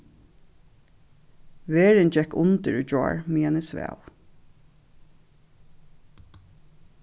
verðin gekk undir í gjár meðan eg svav